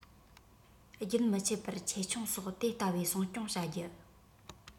རྒྱུན མི ཆད པར ཆེ ཆུང སོགས དེ ལྟ བུའི སྲུང སྐྱོང བྱ རྒྱུ